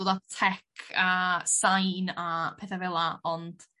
tech a sain a petha fela ond